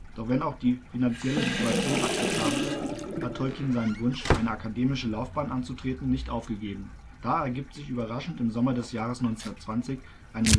Doch wenn auch die finanzielle Situation akzeptabel ist, hat Tolkien seinen Wunsch, eine akademische Laufbahn anzutreten, nicht aufgegeben. Da ergibt sich überraschend im Sommer des Jahres 1920 eine Möglichkeit